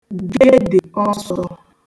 gedè ọsọ̄